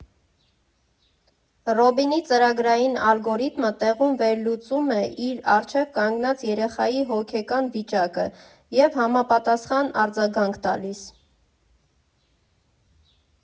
Ռոբինի ծրագրային ալգորիթմը տեղում վերլուծում է իր առջև կանգնած երեխայի հոգեկան վիճակը և համապատասխան արձագանք տալիս։